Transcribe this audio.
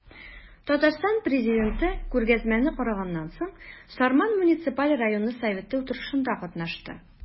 Татарстан Президенты күргәзмәне караганнан соң, Сарман муниципаль районы советы утырышында катнашты.